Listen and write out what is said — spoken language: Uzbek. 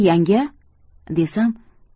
yanga desam